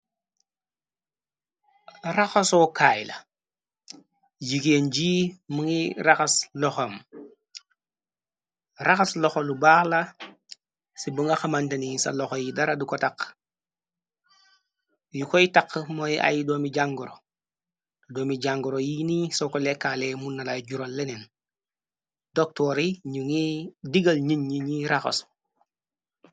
Raxasoo kaay la, jigéen jii mungi raxas loxam. Raxas loxo lu baax la ci ba nga xamantani ca loxo bi daradu ko taq, lu koy taq mooy ay doomi jàngoro te doomi jàngoro yi ni so ko lekkaalee munnalay jural leneen. Doktoori nyugi digal ñit ñi, ñu raxasu.